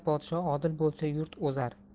podsho odil bo'lsa yurt o'zar